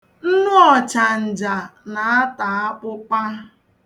Nnu ọchanja na-ata akpụkpa